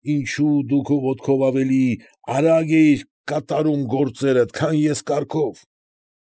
Ինչո՞ւ դու ոտքով ավելի արագ էիր կատարում գործերդ, քան ես կառքով։